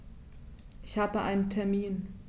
Ich habe einen Termin.